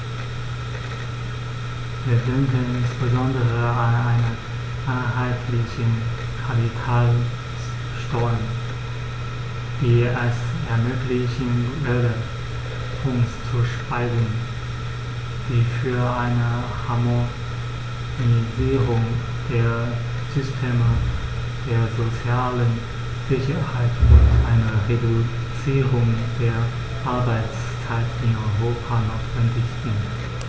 Wir denken insbesondere an eine einheitliche Kapitalsteuer, die es ermöglichen würde, Fonds zu speisen, die für eine Harmonisierung der Systeme der sozialen Sicherheit und eine Reduzierung der Arbeitszeit in Europa notwendig sind.